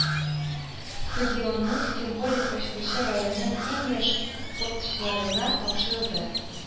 Стадионның символик ачкычы районның иң яхшы яшь спортчыларына тапшырылды